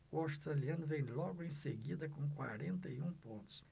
o australiano vem logo em seguida com quarenta e um pontos